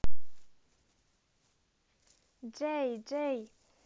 джей джей